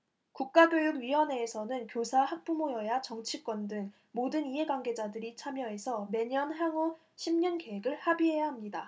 국가교육위원회에서는 교사 학부모 여야 정치권 등 모든 이해관계자들이 참여해서 매년 향후 십 년 계획을 합의해야 합니다